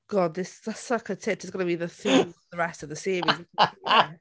God, this, the suck a tit is going to be the theme for the rest of the series isn't it?